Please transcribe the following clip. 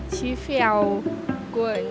chí phèo của